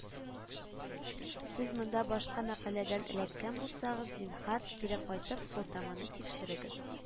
Сез монда башка мәкаләдән эләккән булсагыз, зинһар, кире кайтып сылтаманы тикшерегез